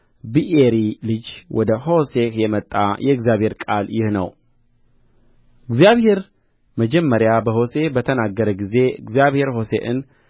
ብኤሪ ልጅ ወደ ሆሴዕ የመጣ የእግዚአብሔር ቃል ይህ ነው እግዚአብሔር መጀመሪያ በሆሴዕ በተናገረ ጊዜ እግዚአብሔር ሆሴዕን